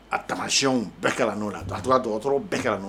A taarayɛnw bɛɛ kɛra n'o la a tora dɔrɔn bɛɛ kɛra n'o